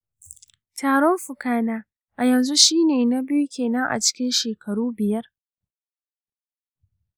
tarin fuka na, a yanzu shine na biyu kenan acikin shekaru biyar.